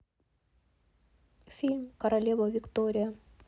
фильм королева виктория